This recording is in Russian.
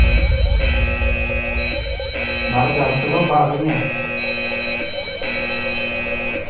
мордасова барыня